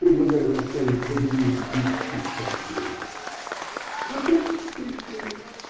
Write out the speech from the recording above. Предлагаю поставить водевиль "Денщик подвел". И на том порешили.